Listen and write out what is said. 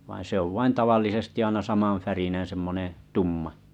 vaan se on vain tavallisesti aina samanvärinen semmoinen tumma